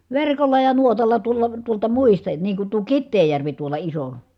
verkolla ja nuotalla tuolla tuolta muista niin kun tuo Kiteenjärvi tuolla iso